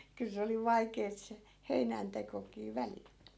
kyllä se oli vaikeaa se heinäntekokin välillä